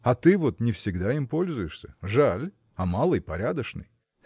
а ты вот не всегда им пользуешься – жаль! а малый порядочный!